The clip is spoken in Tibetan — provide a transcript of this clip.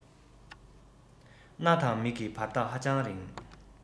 སྣ དང མིག གི བར ཐག ཧ ཅང ཉེ